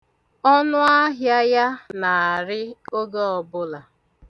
Ọnụahịa ya na-arị oge ọbụla.